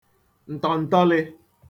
ǹtọ̀ǹtọlị̄